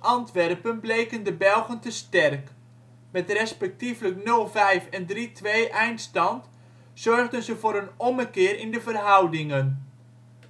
Antwerpen bleken de Belgen te sterk: met respectievelijk een 0-5 en een 3-2 eindstand zorgden ze voor een ommekeer in de verhoudingen.